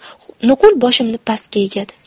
nuqul boshimni pastga egadi